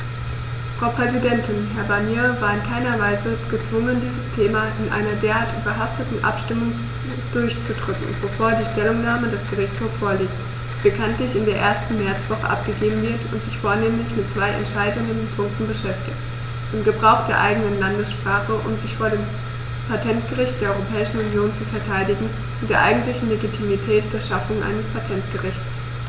Frau Präsidentin, Herr Barnier war in keinerlei Weise gezwungen, dieses Thema in einer derart überhasteten Abstimmung durchzudrücken, bevor die Stellungnahme des Gerichtshofs vorliegt, die bekanntlich in der ersten Märzwoche abgegeben wird und sich vornehmlich mit zwei entscheidenden Punkten beschäftigt: dem Gebrauch der eigenen Landessprache, um sich vor dem Patentgericht der Europäischen Union zu verteidigen, und der eigentlichen Legitimität der Schaffung eines Patentgerichts.